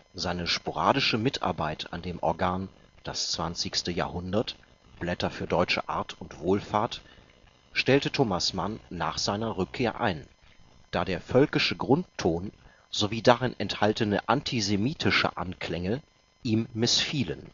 Seine sporadische Mitarbeit an dem Organ Das Zwanzigste Jahrhundert – Blätter für deutsche Art und Wohlfahrt stellte Thomas Mann nach seiner Rückkehr ein, da der völkische Grundton sowie darin enthaltene antisemitische Anklänge ihm missfielen